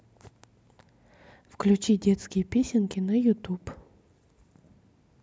включи детские песенки на ютуб